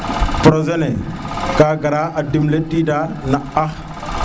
projet ne ka gara adim le tida na ax